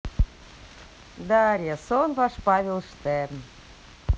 дарья сон ваш павел штерн